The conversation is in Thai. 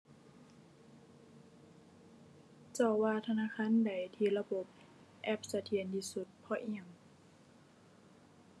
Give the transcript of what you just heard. เจ้าว่าธนาคารใดที่ระบบแอปเสถียรที่สุด เพราะอิหยัง